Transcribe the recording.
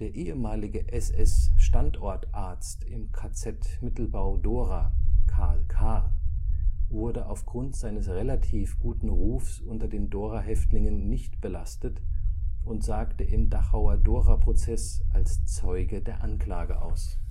ehemalige SS-Standortarzt im KZ Mittelbau-Dora Karl Kahr wurde aufgrund seines relativ guten Rufs unter den Dora-Häftlingen nicht belastet und sagte im Dachauer Dora-Prozess als Zeuge der Anklage aus